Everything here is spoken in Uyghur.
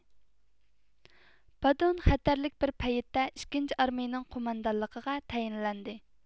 بادون خەتەرلىك بىر پەيتتە ئىككىنچى ئارمىيىنىڭ قوماندانلىقىغا تەيىنلەندى